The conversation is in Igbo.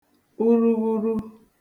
urughuru